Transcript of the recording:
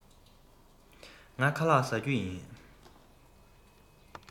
ང ཁ ལགས བཟའ རྒྱུ ཡིན